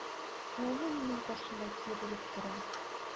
Ул әнә минем каршыда киерелеп тора!